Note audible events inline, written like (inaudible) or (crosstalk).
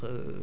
(hesitation) (hesitation)